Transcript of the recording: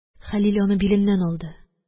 Хәлил аны биленнән алды.